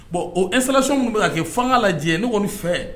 Bon o efɛsiw minnu bɛ ka kɛ fanga lajɛ ne kɔni fɛ